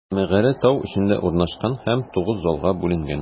Мәгарә тау эчендә урнашкан һәм тугыз залга бүленгән.